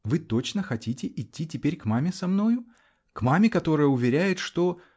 -- Вы точно хотите идти теперь к маме со мною? к маме, которая уверяет, что.